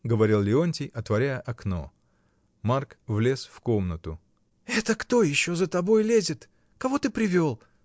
— говорил Леонтий, отворяя окно. Марк влез в комнату. — Это кто еще за тобой лезет? Кого ты привел?